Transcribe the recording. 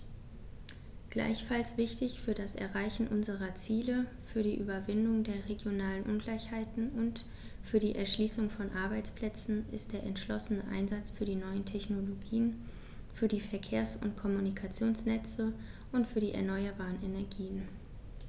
Gleichfalls wichtig für das Erreichen unserer Ziele, für die Überwindung der regionalen Ungleichheiten und für die Erschließung von Arbeitsplätzen ist der entschlossene Einsatz für die neuen Technologien, für die Verkehrs- und Kommunikationsnetze und für die erneuerbaren Energien.